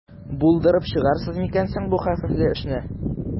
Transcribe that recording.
Булдырып чыгарсыз микән соң бу хәвефле эшне?